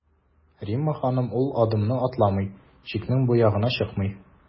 Римма ханым ул адымны атламый, чикнең бу ягына чыкмый.